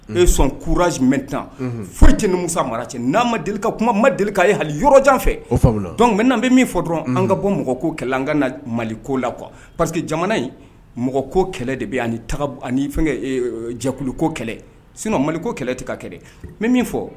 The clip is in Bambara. N bɛ sɔn kurujimɛt foyi tɛ niumsa mara cɛ n'an ma deli kuma ma deli ka ye hali yɔrɔ jan fɛ o dɔn mɛan bɛ min fɔ dɔrɔn an ka bɔ mɔgɔ ko kɛlɛ an ka na maliko la kuwa pa que jamana in mɔgɔ koko kɛlɛ de bɛ ani fɛn jɛkuluko kɛlɛ se maliko kɛlɛ tɛ ka kɛlɛ n bɛ min fɔ